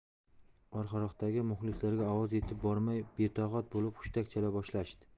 orqaroqdagi muxlislarga ovoz yetib bormay betoqat bo'lib hushtak chala boshlashdi